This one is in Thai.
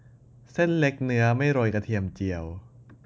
เส้นเล็กเนื้อไม่โรยกระเทียมเจียว